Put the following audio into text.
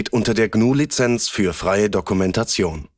unter der GNU Lizenz für freie Dokumentation